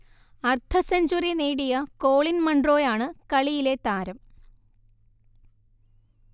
അർധ സെഞ്ച്വറി നേടിയ കോളിൻ മൺറോയാണ് കളിയിലെ താരം